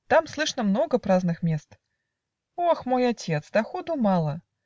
Там, слышно, много праздных мест". - Ох, мой отец! доходу мало.